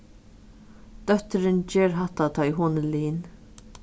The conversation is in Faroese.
dóttirin ger hatta tá ið hon er lin